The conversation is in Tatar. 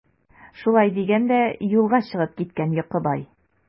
Шулай дигән дә юлга чыгып киткән Йокыбай.